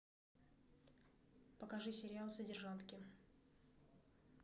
покажи сериал содержанки